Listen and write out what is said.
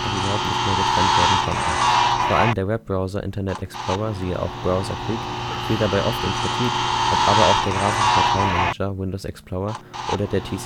überhaupt nicht mehr getrennt werden konnten. Vor allem der Webbrowser (Internet Explorer, siehe auch Browserkrieg) fiel dabei oft in Kritik, aber auch der graphische Dateimanager (Windows Explorer) oder der TCP/IP-Stack